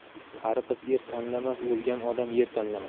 qari qiz er tanlamas o'lgan odam yer tanlamas